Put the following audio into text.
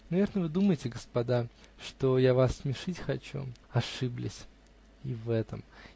Наверно, вы думаете, господа, что я вас смешить хочу? Ошиблись и в этом.